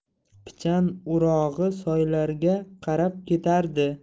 pichan o'rog'i soylarga qarab ketardi